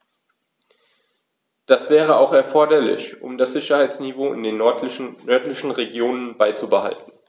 Das wäre auch erforderlich, um das Sicherheitsniveau in den nördlichen Regionen beizubehalten.